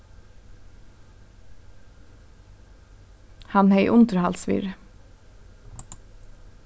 hann hevði undirhaldsvirði